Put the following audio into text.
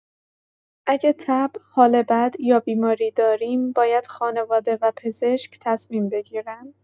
اگه تب، حال بد یا بیماری داریم، باید خانواده و پزشک تصمیم بگیرن.